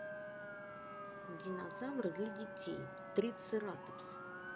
динозавра для детей трицератопс